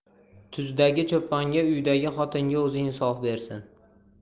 tuzdagi cho'ponga uydagi xotinga o'zi insof bersin